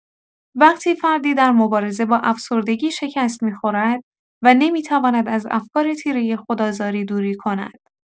وقتی فردی در مبارزه با افسردگی شکست می‌خورد و نمی‌تواند از افکار تیره خودآزاری دوری کند.